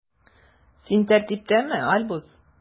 Син тәртиптәме, Альбус?